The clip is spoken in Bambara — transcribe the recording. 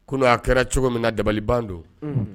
Kunun a kɛra cogo min na dabali ban don. Unhun